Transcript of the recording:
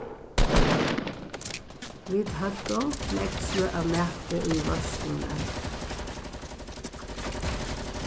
vit høvdu nógv sløg av mati í veitsluni